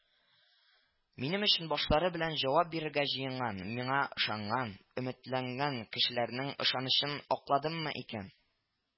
Минем өчен башлары белән җавап бирергә җыенган, миңа ышанган, өметләнгән кешеләрнең ышанычын акладыммы икән